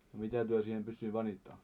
no mitä te siihen pyssyä panitte